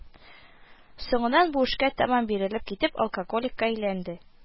Соңыннан, бу эшкә тәмам бирелеп китеп, алкоголикка әйләнде